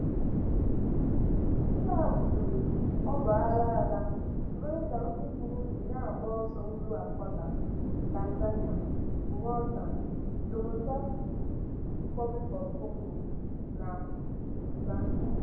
Nke a butere ọgbaaghara mere ka ndị Burundi na-agba ọsọ ndụ akwaga Tanzania, Rwanda, Democratic Republic of Congo (DRC) na Uganda.